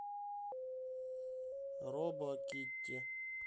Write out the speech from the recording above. робо китти